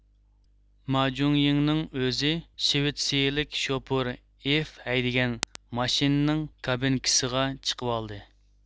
ماجۇڭيىڭنىڭ ئۆزى شىۋېتسىيىلىك شوپۇر ئىف ھەيدىگەن ماشىنىنىڭ كابىنكىسىغا چىقىۋالدى